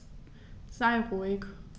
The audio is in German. Sei ruhig.